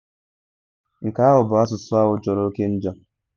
Nke Ahụ Bụ Asụsụ Ahụ Jọrọ Oke Njọ